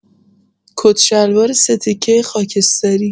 کت‌شلوار سه‌تکه خاکستری